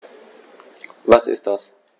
Was ist das?